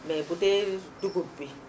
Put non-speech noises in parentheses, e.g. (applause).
mais budee (hesitation) dugub bi